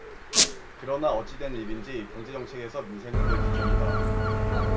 그러나 어찌된 일인지 경제정책에서 민생은 늘 뒷전이다